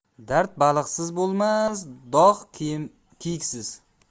daryo baliqsiz bo'lmas tog' kiyiksiz